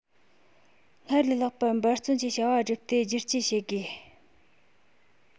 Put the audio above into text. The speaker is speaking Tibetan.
སྔར ལས ལྷག པར འབད བརྩོན གྱིས བྱ བ བསྒྲུབས ཏེ སྒྱུར བཅོས བྱེད དགོས